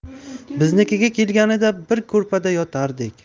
biznikiga kelganida bir ko'rpada yotardik